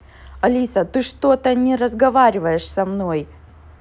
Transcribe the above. алиса ты что то не разговариваешь со мной